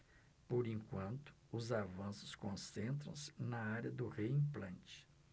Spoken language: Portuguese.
por enquanto os avanços concentram-se na área do reimplante